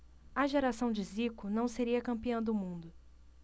a geração de zico não seria campeã do mundo